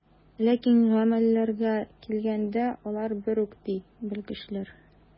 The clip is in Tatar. Ләкин гамәлләргә килгәндә, алар бер үк, ди белгечләр.